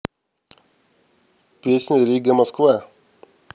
песня рига москва